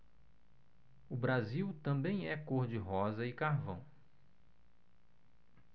o brasil também é cor de rosa e carvão